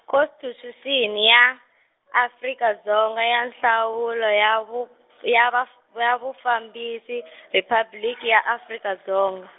ko -sticusini ya , Afrika Dzonga ya Nhlavuko ya vu- ya vaf- ya Vufambisi Riphabliki ya Afrika Dzonga.